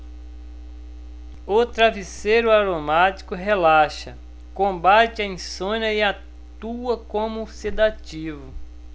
o travesseiro aromático relaxa combate a insônia e atua como sedativo